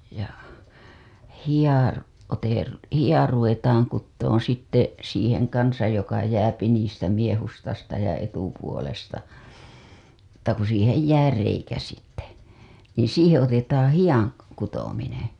ja hiha - hiha ruvetaan kutomaan sitten siihen kanssa joka jää niistä miehustasta ja etupuolesta mutta kun siihen jää reikä sitten niin siihen otetaan hihan kutominen